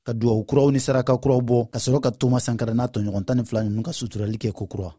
ka dugawu kuraw ni sarakaw kuraw bɔ ka sɔrɔ ka toma sankara n'a tɔɲɔgɔn tan ni fila ninnu ka suturali kɛ kokura